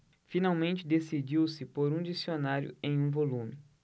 finalmente decidiu-se por um dicionário em um volume